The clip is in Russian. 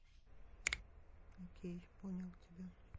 окей понял тебя